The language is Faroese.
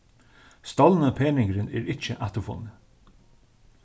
stolni peningurin er ikki afturfunnin